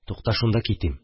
Тукта, шунда китим